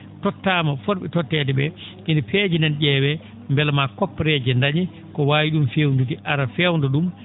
tottaama fot?e totteede ?e kedi peeje men ?eewee mbela maa koppareeje dañee ko waawi ?um feewnude ara feewna ?um